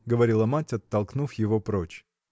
— говорила мать, оттолкнув его прочь.